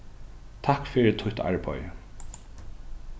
takk fyri títt arbeiði